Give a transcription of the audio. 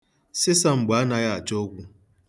Sịsamgbo anaghị achọ okwu.